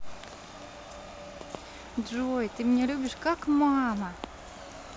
джой ты меня любишь как мама